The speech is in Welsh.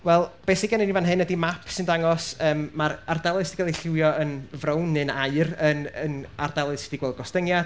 Wel, beth sy gennyn ni fan hyn ydy map sy'n dangos, yym ma'r ardaloedd sy 'di cael eu lliwio yn frown neu'n aur yn yn ardaloedd sy 'di gweld gostyngiad